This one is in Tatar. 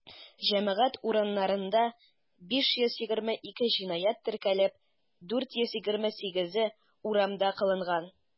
Җәмәгать урыннарында 522 җинаять теркәлеп, 428-е урамда кылынган.